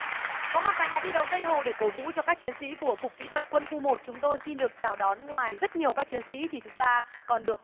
có mặt tại nhà thi đấu tây hồ để cổ vũ cho các chiến sĩ của cục kỹ thuật quân khu một chúng tôi xin được chào đón ngoài rất nhiều các chiến sĩ thì chúng ta còn được